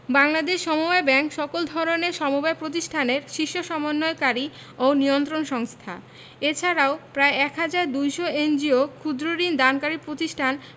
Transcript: বাংলাদেশ সমবায় ব্যাংক সকল ধরনের সমবায় প্রতিষ্ঠানের শীর্ষ সমন্বয়কারী ও নিয়ন্ত্রণ সংস্থা এছাড়াও প্রায় ১ হাজার ২০০ এনজিও ক্ষুদ্র্ ঋণ দানকারী প্রতিষ্ঠান